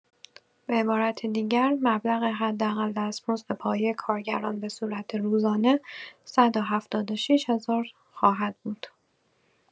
به عبارت دیگر، مبلغ حداقل دستمزد پایه کارگران به صورت روزانه ۱۷۶ هزار خواهد بود.